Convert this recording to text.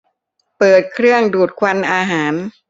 เปิดเครื่องดูดควันอาหาร